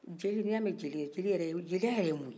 jeli ni y'a mɛ jeli jeliya mun ye